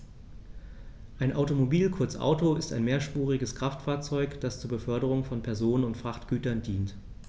Ein Automobil, kurz Auto, ist ein mehrspuriges Kraftfahrzeug, das zur Beförderung von Personen und Frachtgütern dient.